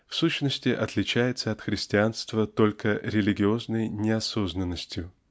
в сущности отличается от христианства только религиозной неосознанностью.